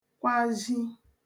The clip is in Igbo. kwazhi